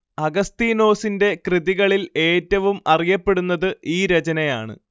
അഗസ്തീനോസിന്റെ കൃതികളിൽ ഏറ്റവും അറിയപ്പെടുന്നത് ഈ രചനയാണ്